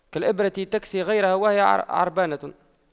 كالإبرة تكسي غيرها وهي عريانة